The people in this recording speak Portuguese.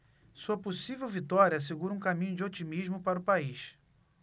sua possível vitória assegura um caminho de otimismo para o país